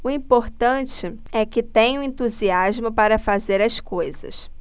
o importante é que tenho entusiasmo para fazer as coisas